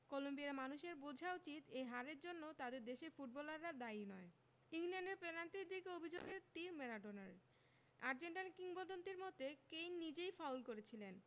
কলম্বিয়ার মানুষের বোঝা উচিত এই হারের জন্য তাদের দেশের ফুটবলাররা দায়ী নয় ইংল্যান্ডের পেনাল্টির দিকে অভিযোগের তির ম্যারাডোনার আর্জেন্টাইন কিংবদন্তির মতে কেইন নিজেই ফাউল করেছিলেন